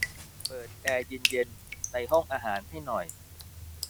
เปิดแอร์เย็นเย็นในห้องอาหารให้หน่อย